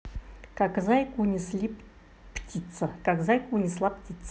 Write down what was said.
как зайку унесла птица